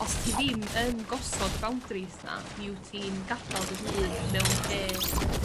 os ti ddim yn gosod y boundaries 'na mi wyt ti'n gadal dy hun mewn lle